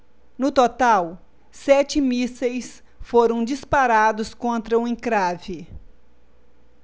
no total sete mísseis foram disparados contra o encrave